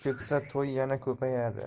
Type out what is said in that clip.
ketsa to'y yana kupayadi